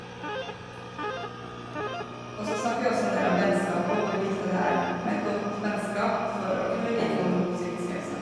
Og så snakker vi også en del om vennskap og hvor viktig det er med et godt vennskap for å kunne vedlikeholde en god psykisk helse.